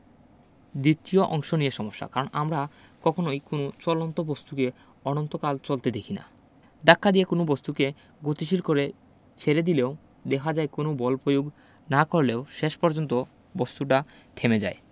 দ্বিতীয় অংশ নিয়ে সমস্যা কারণ আমরা কখনোই কোনো চলন্ত বস্তুকে অনন্তকাল চলতে দেখি না ধাক্কা দিয়ে কোনো বস্তুকে গতিশীল করে ছেড়ে দিলেও দেখা যায় কোনো বল প্রয়োগ না করলেও শেষ পর্যন্ত বস্তুটা থেমে যায়